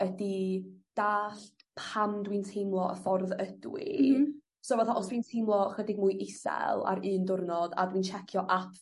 ydi dallt pam dwi'n timlo ffordd ydw i... M-hm. ...so fatha os dwi'n timlo chydig mwy isel ar un diwrnod a dwi'n checio ap